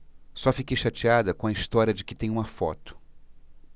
só fiquei chateada com a história de que tem uma foto